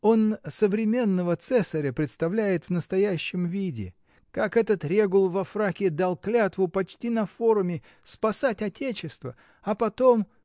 Он современного Цесаря представляет в настоящем виде: как этот Регул во фраке дал клятву почти на форуме спасать отечество, а потом.